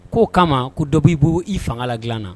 K ko'o kama ko dɔ b' b bolo i fanga la dilan na